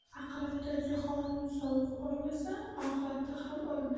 aqrabda jo'xorini sovuq urmasa oxiratda ham urmas